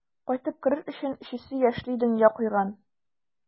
Кайтып керер өчесе яшьли дөнья куйган.